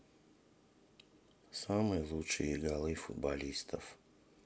самые лучшие голы футболистов